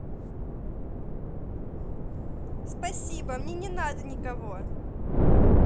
спасибо мне не надо никого